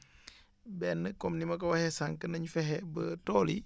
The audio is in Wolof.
benn comme ni ma ko waxee sànq nañu fexe ba tool yi